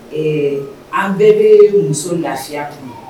Ee An bɛɛ be muso lafiya kun.